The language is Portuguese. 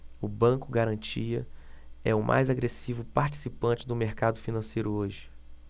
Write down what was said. o banco garantia é o mais agressivo participante do mercado financeiro hoje